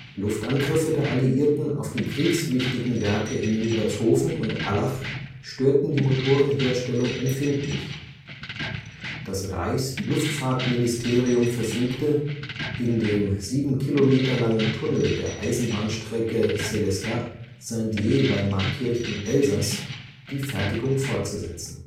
Luftangriffe der Alliierten auf die kriegswichtigen Werke in Milbertshofen und Allach störten die Motorenherstellung empfindlich. Das Reichsluftfahrtministerium verfügte, in dem sieben Kilometer langen Tunnel der Eisenbahnstrecke Sélestat – Saint-Dié bei Markirch im Elsass die Fertigung fortzusetzen